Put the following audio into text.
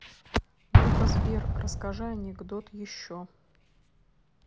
ну как сбер расскажи анекдот еще